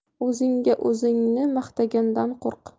o'zingga o'zingni maqtagandan qo'rq